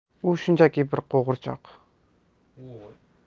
u shunchaki bir qo'g'irchoq